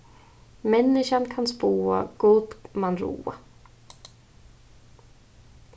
menniskjan kann spáa gud man ráða